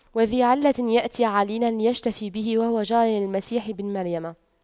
وذى علة يأتي عليلا ليشتفي به وهو جار للمسيح بن مريم